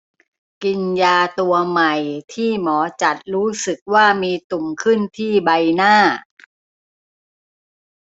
กินยาตัวใหม่ที่หมอจัดรู้สึกว่ามีตุ่มขึ้นที่ใบหน้า